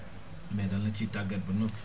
mais dañ la ciy tàggat ba noppi